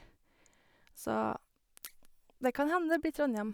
Så det kan hende det blir Trondhjem.